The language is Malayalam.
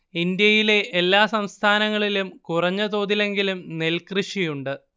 ഇന്ത്യയിലെ എല്ലാ സംസ്ഥാനങ്ങളിലും കുറഞ്ഞ തോതിലെങ്കിലും നെൽക്കൃഷിയുണ്ട്